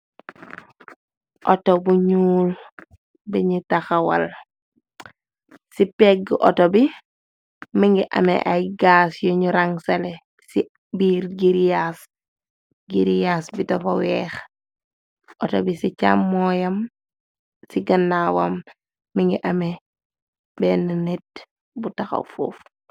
Auto bu ñuul bi ñi tahawal ci pegg auto bi mi ngi ame ay gaas yuñu rangsale ci biir giryaas. Girèyas bi dafa weeh auto bi ci chàmooyam ci gannaawam mi ngi amee benn nit bu tahaw fuuf.